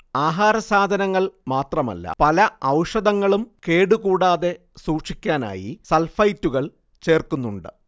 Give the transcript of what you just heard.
ആഹാരസാധനങ്ങൾ മാത്രമല്ല പല ഔഷധങ്ങളും കേടുകൂടാതെ സൂക്ഷിക്കാനായി സൾഫൈറ്റുകൾ ചേർക്കുന്നുണ്ട്